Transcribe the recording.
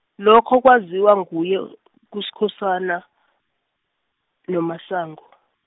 lokho kwaziwa nguye, kuSkhosana, noMasango .